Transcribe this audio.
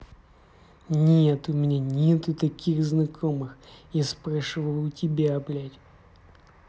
нет у меня нету таких знакомых я спрашиваю у тебя блядь